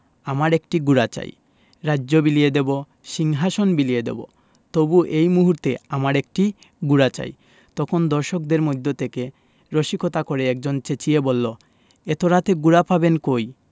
আমার একটি ঘোড়া চাই রাজ্য বিলিয়ে দেবো সিংহাশন বিলিয়ে দেবো তবু এই মুহূর্তে আমার একটি ঘোড়া চাই – তখন দর্শকদের মধ্য থেকে রসিকতা করে একজন চেঁচিয়ে বললো এত রাতে ঘোড়া পাবেন কই